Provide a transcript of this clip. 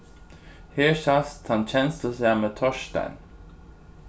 her sæst tann kenslusami torstein